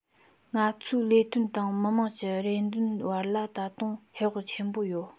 ང ཚོའི ལས དོན དང མི དམངས ཀྱི རེ འདོད བར ལ ད དུང ཧེ བག ཆེན པོ ཡོད